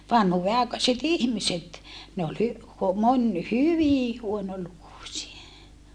vanhuudenaikaiset ihmiset ne oli - moni hyvin huonolukuisia